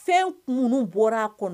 Fɛn kun bɔra a kɔnɔ